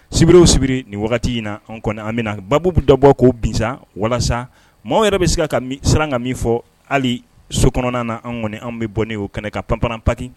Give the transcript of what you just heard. Sibiriw sibiri nin wagati in na anw kɔni an bɛna na baabubu dɔbɔ ko binsa walasa maaw yɛrɛ bɛ se ka siran ka min fɔ hali so kɔnɔnnan na anw kɔni anw bɛ bɔnen oo kɛnɛ ka panp papi